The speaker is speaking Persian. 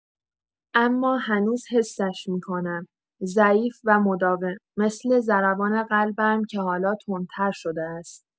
اما هنوز حسش می‌کنم، ضعیف و مداوم، مثل ضربان قلبم که حالا تندتر شده است.